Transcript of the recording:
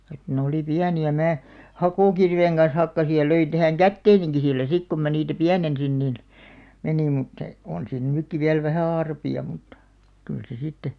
että ne oli pieniä minä hakokirveen kanssa hakkasin ja löin tähän käteenikin sillä sitten kun minä niitä pienensin niin meni mutta se on siinä nytkin vielä vähän arpia mutta kyllä se sitten